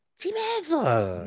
Ti'n meddwl?